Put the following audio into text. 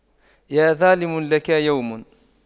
يا ظالم لك يوم